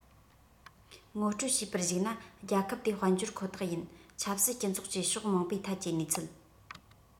ངོ སྤྲོད བྱས པར གཞིགས ན རྒྱལ ཁབ དེའི དཔལ འབྱོར ཁོ ཐག ཡིན ཆབ སྲིད སྤྱི ཚོགས ཀྱི ཕྱོགས མང པོའི ཐད ཀྱི གནས ཚུལ